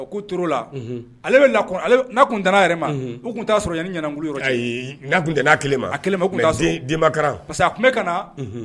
K'o tor'o la unhun ale bena kun ale be n'a kun dan'a yɛrɛ ma unhun u tun t'a sɔrɔ yani ɲanaŋulu yɔrɔ cɛ ayii n'a kun dan'a 1 ma a 1 ma u tun t'a sɔrɔ mais deen denmakaran parce que a tun be kanaa unhun